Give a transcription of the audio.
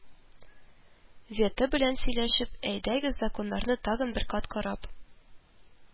Веты белән сөйләшеп, әйдәгез, законнарны тагын бер кат карап